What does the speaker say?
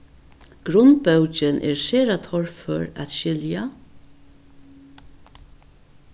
grundbókin er sera torfør at skilja